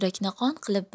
yurakni qon qilib